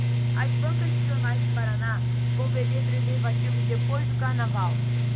as bancas de jornais do paraná vão vender preservativos depois do carnaval